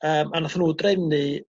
yym a natho nhw drefnu